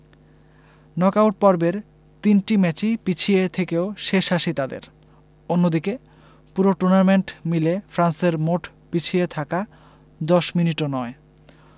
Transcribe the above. knock out পর্বের তিনটি ম্যাচই পিছিয়ে থেকেও শেষ হাসি তাদের অন্যদিকে পুরো টুর্নামেন্ট মিলে ফ্রান্সের মোট পিছিয়ে থাকা ১০ মিনিটও নয়